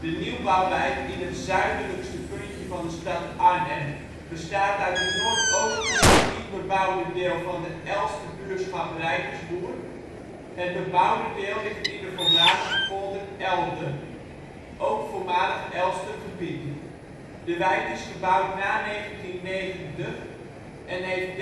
nieuwbouwwijk in het zuidelijkste puntje van de stad Arnhem bestaat uit het noordoostelijke niet bebouwde deel van de Elster buurschap Rijkerswoerd. Het bebouwde deel ligt in de voormalige polder Elden, ook voormalig Elster gebied. De wijk is gebouwd na 1990 en heeft